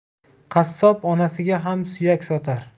qassob onasiga ham suyak sotar